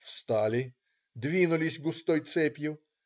Встали, двинулись густой цепью.